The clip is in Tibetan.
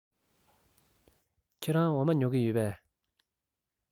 ཁྱེད རང འོ མ ཉོ གི ཡོད པས